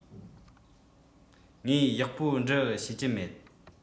ངས ཡག པོ འབྲི ཤེས ཀྱི མེད